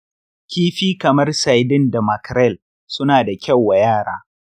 kifi kamar sardine da mackerel suna da kyau wa yara.